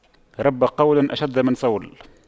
رب قول أشد من صول